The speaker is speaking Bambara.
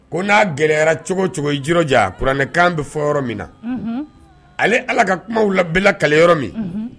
Ko n aa gɛlɛyaɛrɛyara cogo cogo ye jiri jan kuranɛkan bɛ fɔ yɔrɔ min na ale ala ka kumaw labilakaleyɔrɔ yɔrɔ min